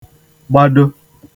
gbado